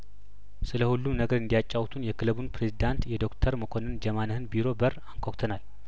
ስለሁሉም ነገር እንዲ ያጫውቱን የክለቡን ፕሬዚዳንት የዶክተር መኮንን ጀማነህን ቢሮ በር አንኳኩተናል